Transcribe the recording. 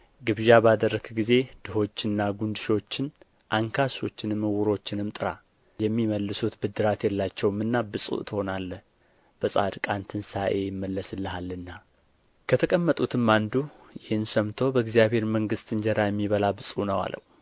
ግብዣ ባደረግህ ጊዜ ድሆችንና ጕንድሾችን አንካሶችንም ዕውሮችንም ጥራ የሚመልሱት ብድራት የላቸውምና ብፁዕ ትሆናለህ በጻድቃን ትንሣኤ ይመለስልሃልና ከተቀመጡትም አንዱ ይህን ሰምቶ በእግዚአብሔር መንግሥት እንጀራ የሚበላ ብፁዕ ነው አለው